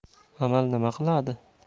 amal nima qiladi